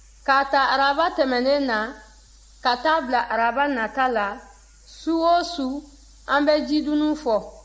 k'a ta araba tɛmɛnen na ka taa a bila araba nata la su o su an bɛ jidunun fɔ